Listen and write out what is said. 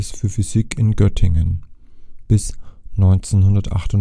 für Physik in Göttingen (bis 1958